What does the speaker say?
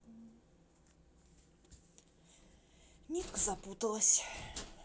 нитка запуталась